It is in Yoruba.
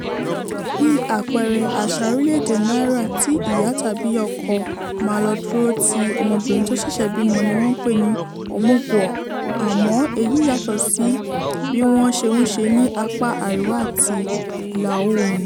Bí àpẹẹrẹ, àṣàa orilẹ̀ èdè Nàìríà tí ìyá tàbí ìya ọkọ máà lọ dúró ti ọmọbìnrin tó ṣẹ̀ṣẹ̀ bímọ ni wọ́n ń pè ní omugwo, àmọ́ èyí yàtọ̀ sí bí wọ́n ṣe ń ṣe ní apá àríwá àti ìlà-oòrùn.